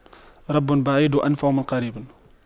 رب بعيد أنفع من قريب